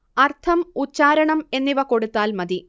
അർത്ഥം ഉച്ചാരണം എന്നിവ കൊടുത്താൽ മതി